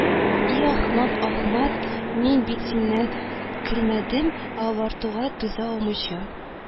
И ахмак, ахмак, мин бит синнән көлмәдем, ә авыртуга түзә алмыйча